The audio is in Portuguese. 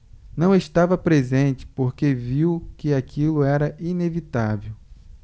não estava presente porque viu que aquilo era inevitável